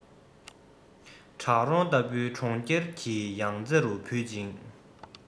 བྲག རོང ལྟ བུའི གྲོང ཁྱེར གྱི ཡང རྩེ རུ བུད ཅིང